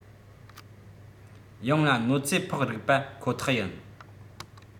ཡང ལ གནོད འཚེ ཕོག རིགས པ ཁོ ཐག ཡིན